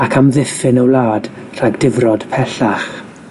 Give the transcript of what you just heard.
ac amddiffyn y wlad rhag difrod pellach.